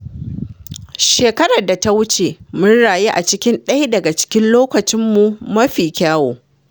“Shekarar da ta wuce mun rayu a cikin ɗaya daga cikin lokacin mu mafi kyau.